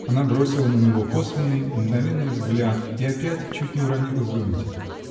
Она бросила не него косвенный, мгновенный взгляд -- и опять чуть не уронила зонтик.